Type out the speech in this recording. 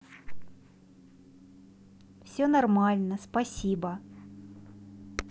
все нормально спасибо